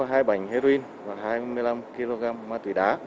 hai bánh hê rô in và hai mươi lăm ki lô gam ma túy đá